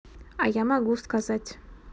а я могу сказать